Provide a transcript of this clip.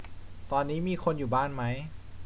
ตอนนี้มีคนอยู่บ้านไหม